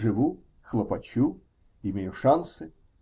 "Живу", "хлопочу", "имею шансы"